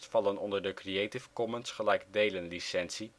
website van Stayokay